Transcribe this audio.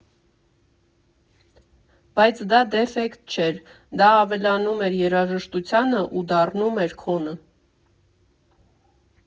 Բայց դա դեֆեկտ չէր, դա ավելանում էր երաժշտությանը ու դառնում էր քոնը։